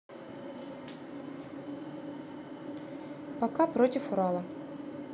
пока против урала